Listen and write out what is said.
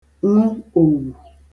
ṅụ òwù